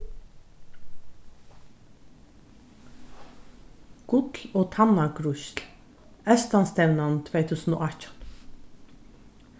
gull og tannagrísl eystanstevnan tvey túsund og átjan